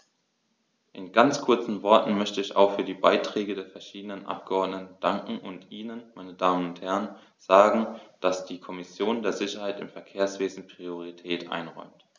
In ganz kurzen Worten möchte ich auch für die Beiträge der verschiedenen Abgeordneten danken und Ihnen, meine Damen und Herren, sagen, dass die Kommission der Sicherheit im Verkehrswesen Priorität einräumt.